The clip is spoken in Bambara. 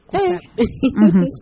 H h